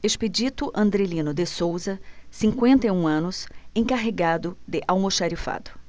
expedito andrelino de souza cinquenta e um anos encarregado de almoxarifado